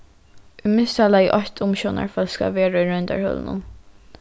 í minsta lagi eitt umsjónarfólk skal vera í royndarhølunum